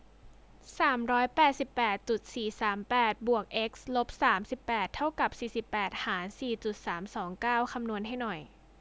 สามร้อยแปดสิบแปดจุดสี่สามแปดบวกเอ็กซ์ลบสามสิบแปดเท่ากับสี่สิบแปดหารสี่จุดสามสองเก้าคำนวณให้หน่อย